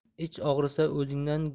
ich og'risa o'zingdan